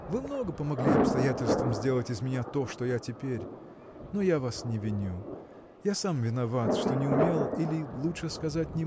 – вы много помогли обстоятельствам сделать из меня то что я теперь но я вас не виню. Я сам виноват что не умел или лучше сказать